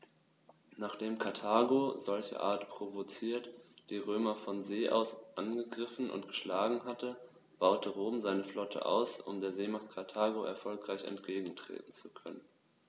Nachdem Karthago, solcherart provoziert, die Römer von See aus angegriffen und geschlagen hatte, baute Rom seine Flotte aus, um der Seemacht Karthago erfolgreich entgegentreten zu können.